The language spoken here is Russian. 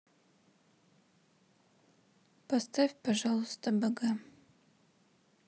поставь пожалуйста бг